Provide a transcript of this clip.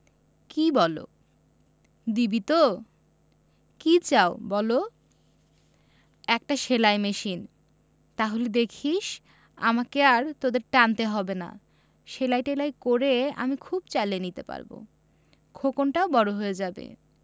কি বলো দিবি তো কি চাও বলো একটা সেলাই মেশিন তাহলে দেখিস আমাকে আর তোদের টানতে হবে না সেলাই টেলাই করে আমি খুব চালিয়ে নিতে পারব খোকনটাও বড় হয়ে যাবে